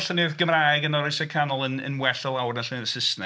Llenyddiaeth Gymraeg yn yr oesau canol yn yn well o lawer 'na llenyddiaeth Saesneg.